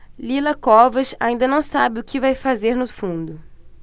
lila covas ainda não sabe o que vai fazer no fundo